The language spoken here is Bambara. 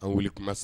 A wili kuma se